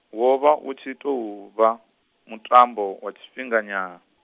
wo vha u tshi tou vha, mutambo wa tshifhinga nyana.